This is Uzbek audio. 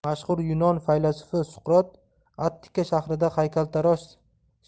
mashhur yunon faylasufi suqrot attika shahrida haykaltarosh